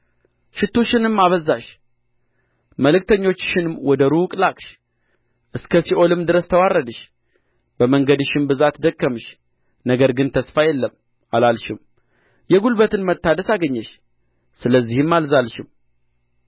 ሽቱሽንም አበዛሽ መልእክተኞችሽንም ወደ ሩቅ ላክሽ እስከ ሲኦልም ድረስ ተዋረድሽ በመንገድሽም ብዛት ደከምሽ ነገር ግን ተስፋ የለም አላልሽም የጕልበትን መታደስ አገኘሽ ስለዚህም አልዛልሽም